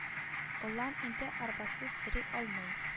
Олан инде арбасыз йөри алмый